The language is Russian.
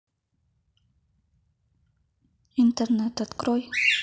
интернет открой